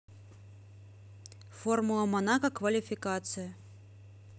формула монако квалификация